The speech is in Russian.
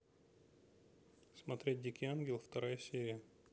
смотреть дикий ангел вторая серия